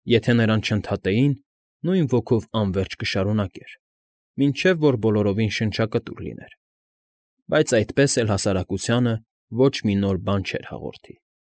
Եթե նրան չընդհատեին, նույն ոգով անվերջ կշարունակեր, մինչև որ բոլորովին շնչակտուր լիներ, բայց այդպես էլ հասարակությանը ոչ մի նոր բան չէր հաղորդի։